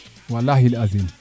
walahi aziim